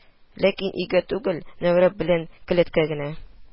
Ләкин өйгә түгел, нәүрәп белән келәткә генә